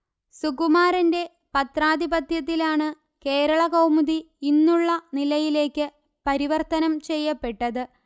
സുകുമാരന്റെ പത്രാധിപത്യത്തിലാണ് കേരളകൗമുദി ഇന്നുള്ള നിലയിലേക്ക് പരിവർത്തനം ചെയ്യപ്പെട്ടത്